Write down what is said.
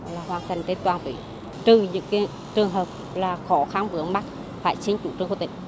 hoàn thành trên toàn tỉnh trừ những trường hợp là khó khăn vướng mắc phải xin chủ trương của tỉnh